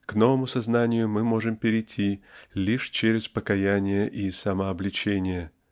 К новому сознанию мы можем перейти лишь через покаяние и самообличение.